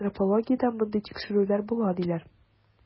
Антропологиядә мондый тикшерүләр була, диләр.